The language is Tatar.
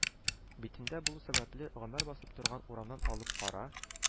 Битендә булу сәбәпле, гомәр басып торган урамнан алып кара